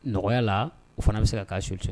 Nɔgɔya la u fana bɛ se ka k'a so